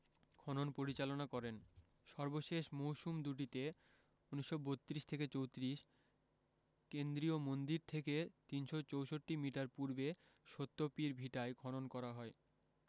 খনন পরিচালনা করেন সর্বশেষ মৌসুম দুটিতে ১৯৩২ থেকে ৩৪ কেন্দ্রীয় মন্দির থেকে ৩৬৪ মিটার পূর্বে সত্যপীর ভিটায় খনন করা হয়